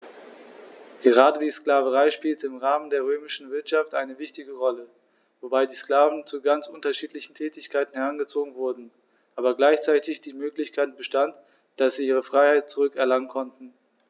Gerade die Sklaverei spielte im Rahmen der römischen Wirtschaft eine wichtige Rolle, wobei die Sklaven zu ganz unterschiedlichen Tätigkeiten herangezogen wurden, aber gleichzeitig die Möglichkeit bestand, dass sie ihre Freiheit zurück erlangen konnten.